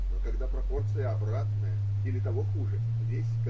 но когда пропорция обратная или того хуже – весь.